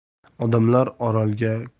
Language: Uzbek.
odamlar orolga kamdan